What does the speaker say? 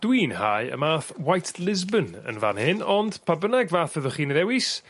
Dwi'n hau y math white Lisbon yn fan hyn ond pa bynnag fath fyddwch chi'n 'u ddewis